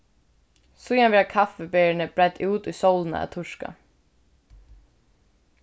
síðan verða kaffiberini breidd út í sólina at turka